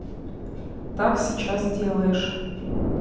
так сейчас делаешь